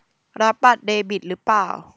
รับบัตรเดบิตหรือเปล่า